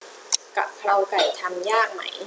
กะเพราไก่ทำยากไหม